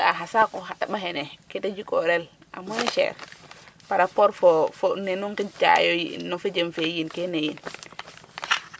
Ndiiki kaam ga'aa xa saku xa teƥ axene kee ta jikoorel a moyen chere par rapport fo nenu nqijtaayo yi no fo jem fe yiin kene yiin .